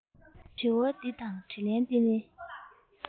དྲི བ འདི དང དྲིས ལན འདི ནི